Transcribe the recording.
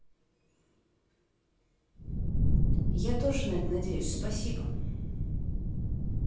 я тоже на это надеюсь спасибо